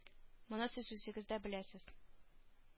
Моны сез үзегез дә беләсез